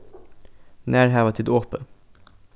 nær hava tit opið